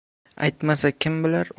aytmasa kim bilar